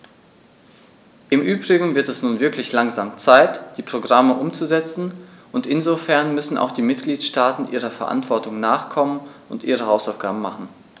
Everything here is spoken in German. Im übrigen wird es nun wirklich langsam Zeit, die Programme umzusetzen, und insofern müssen auch die Mitgliedstaaten ihrer Verantwortung nachkommen und ihre Hausaufgaben machen.